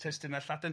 testuna Lladin.